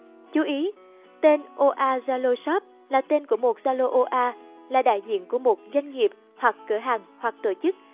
chú ý tên oa zalo shop là tên của một zalo oa là đại diện của một doanh nghiệp cửa hàng tổ chức